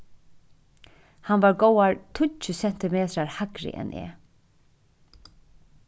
hann var góðar tíggju sentimetrar hægri enn eg